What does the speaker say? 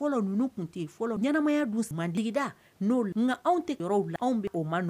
Ɛnɛmayada' nka anw tɛ yɔrɔ la anw bɛ ma